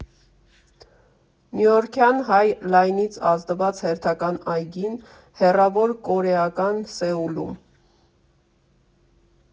Նյույորքյան Հայ Լայնից ազդված հերթական այգին՝ հեռավոր կորեական Սեուլում։